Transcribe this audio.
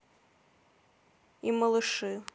и малыши